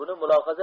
buni mulohaza